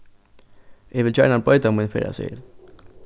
eg vil gjarna broyta mín ferðaseðil